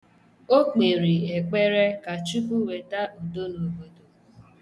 O kpere ekpere ka Chukwu weta udo n' obodo.